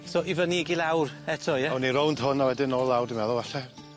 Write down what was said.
So i fynny ag i lawr eto ie? Awn ni rown hwn a wedyn nôl lawr dwi'n meddwl falle.